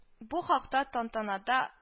Бу хакта тантанада